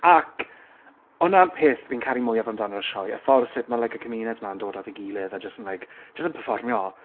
Ac, hwnna'r peth fi'n caru mwyaf amdano'r sioe, y ffordd sut ma' like y cymuned 'ma yn dod at ei gilydd a jyst yn like jyst yn perfformio.